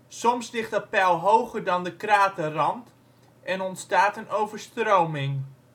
Soms ligt dat peil hoger dan de kraterrand en ontstaat een overstroming